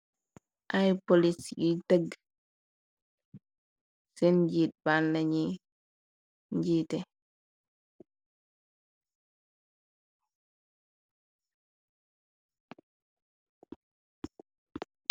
Aypolis yi tegge seen njiit banlañi njiite.